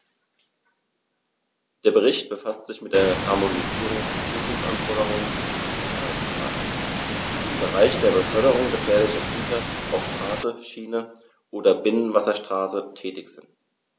Der Bericht befasst sich mit der Harmonisierung von Prüfungsanforderungen für Sicherheitsberater, die im Bereich der Beförderung gefährlicher Güter auf Straße, Schiene oder Binnenwasserstraße tätig sind.